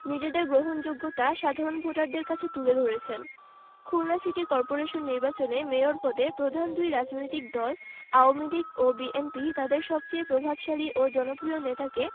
নিজেদের গ্রহণযোগ্যতা সাধারণ ভোটারদের কাছে তুলে ধরেছেন খুলনা সিটি করপোরেশন নির্বাচনে মেয়র পদে প্রধান দুই রাজনৈতিক দল আওয়ামী লীগ ও বিএনপি তাদের সবচেয়ে প্রভাবশালী ও জনপ্রিয় নেতাকে